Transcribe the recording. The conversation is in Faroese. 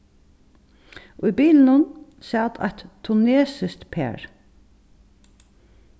í bilinum sat eitt tunesiskt par